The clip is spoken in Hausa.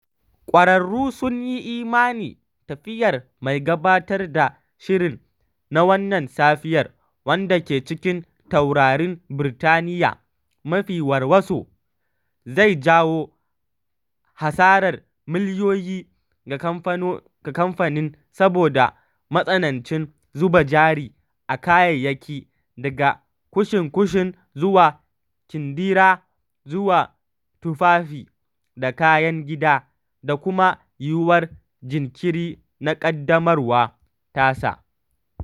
Ƙwararru sun yi imani tafiyar mai gabatar da shirin na Wannan Safiyar, wadda ke cikin taurarin Birtaniyya mafi warwaso, zai jawo hasarar miliyoyi ga kamfanin saboda matsanancin zuba jari a kayayyaki daga kushin-kushin zuwa kyandira zuwa tufafi da kayan gida, da kuma yiwuwar jinkiri na ƙaddamarwar tasa.